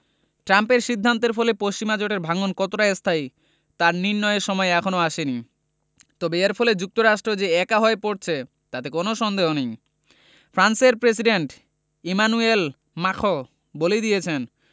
ট্রাম্পের সিদ্ধান্তের ফলে পশ্চিমা জোটের ভাঙন কতটা স্থায়ী তা নির্ণয়ের সময় এখনো আসেনি তবে এর ফলে যুক্তরাষ্ট্র যে একা হয়ে পড়ছে তাতে কোনো সন্দেহ নেই ফ্রান্সের প্রেসিডেন্ট ইমানুয়েল মাখোঁ বলেই দিয়েছেন